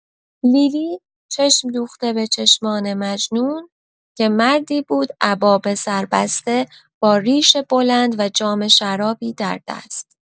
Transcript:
لیلی، چشم دوخته به چشمان مجنون، که مردی بود عبا به سر بسته، با ریش بلند و جام شرابی در دست.